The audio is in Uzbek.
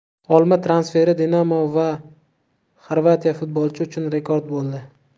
olmo transferi dinamo va xorvatiya futbolchi uchun rekord bo'ldi